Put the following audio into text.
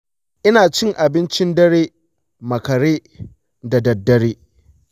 ina cin abincin dare makare da daddare.